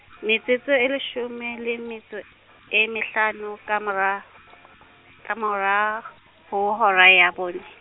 metsotso e leshome le metso e mehlano, ka mora , ka mora , ho hora ya bone.